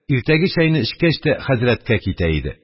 Иртәге чәйне эчкәч тә хәзрәткә китә иде.